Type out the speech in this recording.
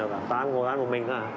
toàn ăn đồ ăn của mình thôi à